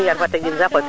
Gnilane Ndour